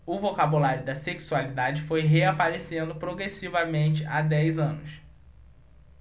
o vocabulário da sexualidade foi reaparecendo progressivamente há dez anos